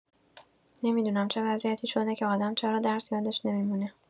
نمی‌دونم چه وضعیتی شده که آدم چرا درس یادش نمی‌مونه